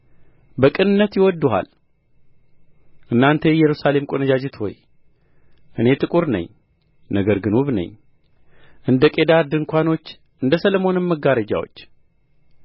በቅንነት ይወድዱሃል እናንተ የኢየሩሳሌም ቈነጃጅት ሆይ እኔ ጥቁር ነኝ ነገር ግን ውብ ነኝ እንደ ቄዳር ድንኳኖች እንደ ሰሎሞንም መጋረጃዎች